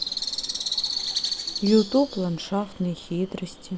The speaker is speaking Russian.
ютуб ландшафтные хитрости